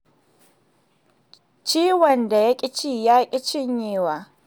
Ciwon da ya-ƙi-ci-ya-ƙi-cinyewa